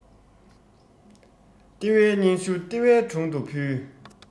ལྟེ བའི སྙན ཞུ ལྟེ བའི དྲུང དུ ཕུལ